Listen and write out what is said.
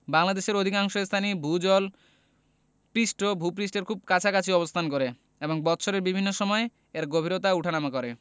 বাংলাদেশের অধিকাংশ স্থানেই ভূ জল পৃষ্ঠ ভূ পৃষ্ঠের খুব কাছাকাছি অবস্থান করে এবং বৎসরের বিভিন্ন সময় এর গভীরতা উঠানামা করে